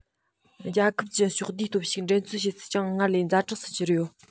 རྒྱལ ཁབ ཀྱི ཕྱོགས བསྡུས སྟོབས ཤུགས འགྲན རྩོད བྱེད ཚུལ ཡང སྔར ལས ཛ དྲག ཏུ གྱུར ཡོད